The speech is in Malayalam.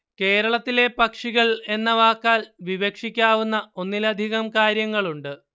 കേരളത്തിലെ പക്ഷികള്‍ എന്ന വാക്കാല് വിവക്ഷിക്കാവുന്ന ഒന്നിലധികം കാര്യങ്ങളുണ്ട്